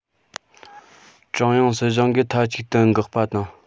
ཀྲུང དབྱང སྲིད གཞུང གིས མཐའ གཅིག ཏུ དགག པ བཏང